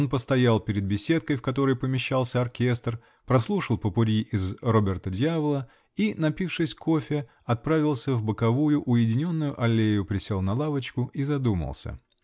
он постоял перед беседкой, в которой помещался оркестр, прослушал попурри из "Роберта-Дьявола" и, напившись кофе, отправился в боковую, уединенную аллею, присел на лавочку -- и задумался.